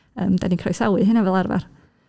Yym, dan ni'n croesawu hynna fel arfer.